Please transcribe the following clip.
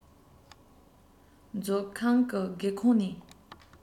མཛོད ཁང གི སྒེ འུ ཁུང ནས